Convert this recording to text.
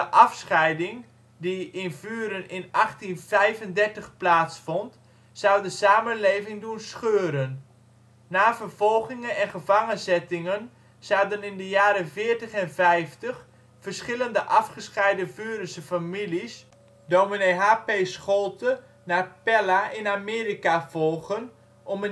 Afscheiding, die in Vuren in 1835 plaatsvond, zou de samenleving doen scheuren. Na vervolgingen en gevangenzettingen zouden in de jaren veertig en vijftig verschillende afgescheiden Vurense families ds. H.P. Scholte naar Pella in Amerika volgen om